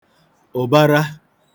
ụ̀bara